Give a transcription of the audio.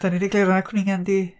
Dan ni'n egluro, cwningan 'di...